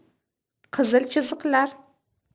qizil chiziqlar